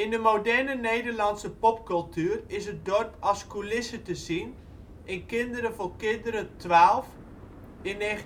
de moderne Nederlandse popcultuur is het dorp als coulisse te zien in Kinderen voor Kinderen 12 (1991